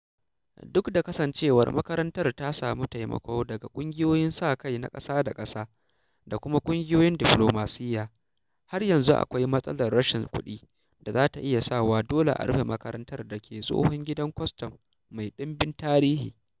Duk da kasancewar makarantar ta samu taimako daga ƙungiyoyin sa kai na ƙasa da ƙasa da kuma ƙungiyoyin diflomasiyya, har yanzu akwai matsalar rashin kuɗi da za ta iya sa wa dole a rufe makarantar da ke tsohon gidan kwastam mai ɗimbin tarihi.